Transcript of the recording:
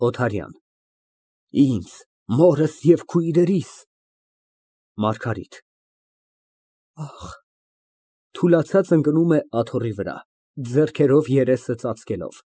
ՕԹԱՐՅԱՆ ֊ Ինձ, մորս և քույրերիս… ՄԱՐԳԱՐԻՏ ֊ Ահ… (Թուլացած ընկնում է աթոռի վրա, ձեռներով երեսը ծածկելով)։